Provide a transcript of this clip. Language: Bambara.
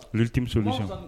Timi ni sa